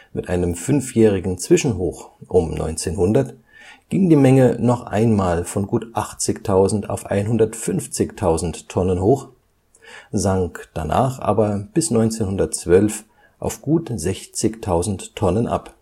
Mit einem fünfjährigen Zwischenhoch um 1900 ging die Menge noch einmal von gut 80.000 auf 150.000 Tonnen hoch, sank danach aber bis 1912 auf gut 60.000 Tonnen ab